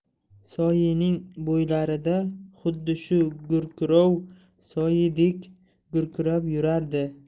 soyining bo'ylarida xuddi shu gurkurov soyidek gurkirab yurardi